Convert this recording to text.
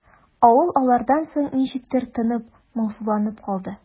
Авыл алардан соң ничектер тынып, моңсуланып калды.